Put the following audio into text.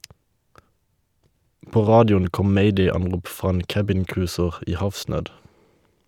På radioen kom mayday-anrop fra en cabincruiser i havsnød.